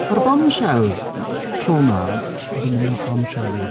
Mae'r bombshells, tro yma, haven't been that bombshell-y.